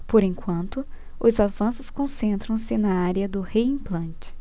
por enquanto os avanços concentram-se na área do reimplante